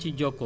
waaw